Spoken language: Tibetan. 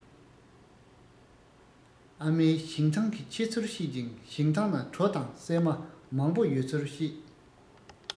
ཨ མས ཞིང ཐང གི ཆེ ཚུལ བཤད ཅིང ཞིང ཐང ན གྲོ དང སྲན མ མང པོ ཡོད ཚུལ བཤད